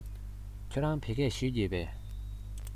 ཁྱེད རང བོད སྐད ཤེས ཀྱི ཡོད པས